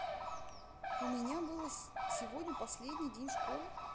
у меня было сегодня последний день в школе